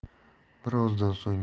bir ozdan so'ng yuz